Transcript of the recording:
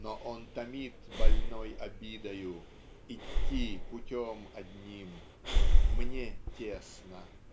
Но он томит больной обидою; Идти путем одним Мне тесно.